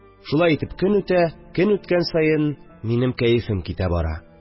Шулай итеп, көн үтә, көн үткән саен, минем кәефем китә бара